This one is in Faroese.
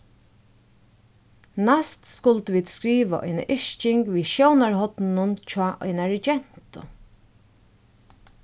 næst skuldu vit skriva eina yrking við sjónarhorninum hjá einari gentu